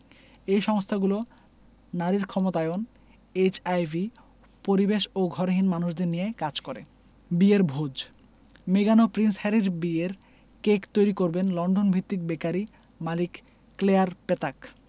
এই সংস্থাগুলো নারীর ক্ষমতায়ন এইচআইভি পরিবেশ ও ঘরহীন মানুষদের নিয়ে কাজ করে বিয়ের ভোজ মেগান ও প্রিন্স হ্যারির বিয়ের কেক তৈরি করবেন লন্ডনভিত্তিক বেকারি মালিক ক্লেয়ার পেতাক